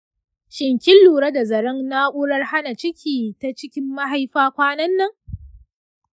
shin kin lura da zaren na’urar hana ciki ta cikin mahaifa kwanan nan?